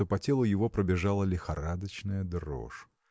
что по телу его пробежала лихорадочная дрожь.